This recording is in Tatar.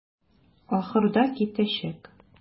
Ахырда китәчәк.